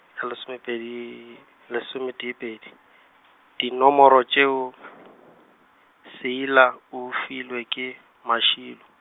ya lesomepedi, lesometee pedi, dinomoro tšeo , Seila o filwe ke, Mašilo.